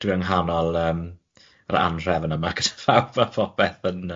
Dwi yng nghanol yym yr anhrefn yma gyda phawb a phopeth yn